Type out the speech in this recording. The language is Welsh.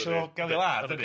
Galle fo ga'l ei ladd yndydi.